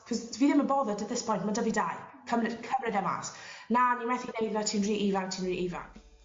'c'os fi ddim yn bothered at this point ma' 'dy fi dau cymryd cymryd e mas na ni methu neud 'ny ti'n ry ifanc ti'n ry ifanc.